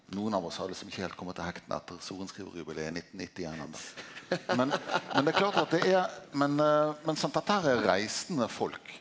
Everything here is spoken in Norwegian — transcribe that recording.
nokon av oss har liksom ikkje heilt komme til hektene etter sorenskrivarjubileet i 1991 enda, men men det er klart at det er men men sant dette her er reisande folk.